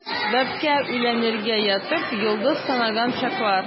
Бәбкә үләннәргә ятып, йолдыз санаган чаклар.